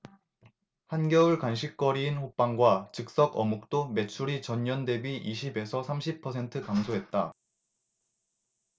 한겨울 간식거리인 호빵과 즉석어묵도 매출이 전년대비 이십 에서 삼십 퍼센트 감소했다